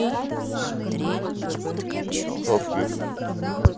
что пишут